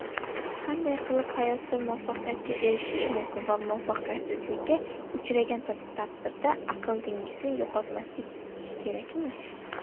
qanday qilib hayotda muvaffaqiyatga erishish mumkin va muvaffaqiyatsizlikka uchragan taqdirda aqlingizni yo'qotmaslik kerakmi